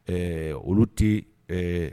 Ɛɛ olu tɛ ɛɛ